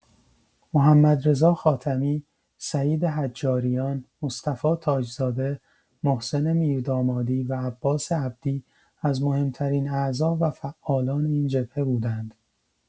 محمدرضا خاتمی، سعید حجاریان، مصطفی تاج‌زاده، محسن میردامادی و عباس عبدی از مهم‌ترین اعضا و فعالان این جبهه بودند.